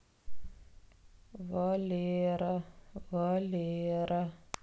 валера валера